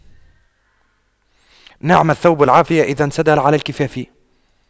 نعم الثوب العافية إذا انسدل على الكفاف